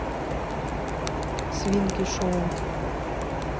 свинки шоу